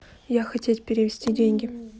я хотеть перевести деньги